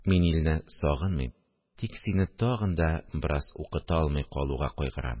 Мин илне сагынмыйм, тик сине тагын да бераз укыта алмый калуга кайгырам